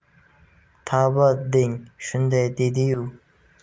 tavba deng shunday dediyu